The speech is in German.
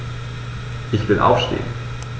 Ich will aufstehen.